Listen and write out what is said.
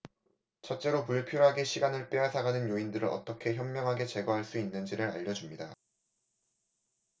첫째로 불필요하게 시간을 빼앗아 가는 요인들을 어떻게 현명하게 제거할 수 있는지를 알려 줍니다